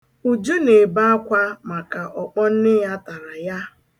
Uju na-ebe akwa maka ọkpọ nne ya tara ya.